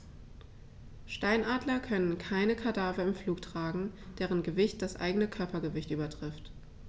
Steinadler können keine Kadaver im Flug tragen, deren Gewicht das eigene Körpergewicht übertrifft.